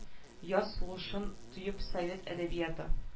Яз сулышын тоеп совет әдәбияты